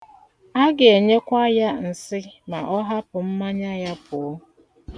A ga-enyekwa ya nsị ma ọ hapụ mmanya ya pụọ.